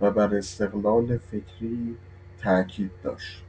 و بر استقلال فکری تأکید داشت.